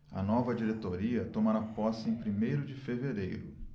a nova diretoria tomará posse em primeiro de fevereiro